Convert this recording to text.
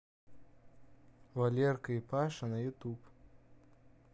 валерка и паша на ютуб